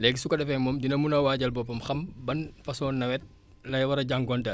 léegi su ko defee moom dina mën a waajal boppam xam ban façon nawet lay war a jànkuwanteel